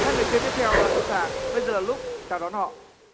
hai người chơi tiếp theo đã sẵn sàng bây giờ lúc chào đón họ